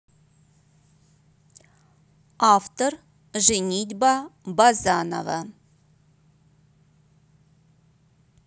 автор женитьба базанова